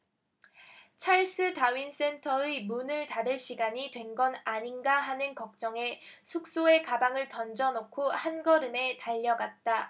찰스 다윈 센터의 문을 닫을 시간이 된 건 아닌가 하는 걱정에 숙소에 가방을 던져넣고 한걸음에 달려갔다